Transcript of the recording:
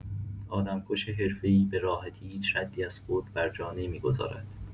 آدم‌کش حرفه‌ای به راحتی هیچ ردی از خود بر جا نمی‌گذارد.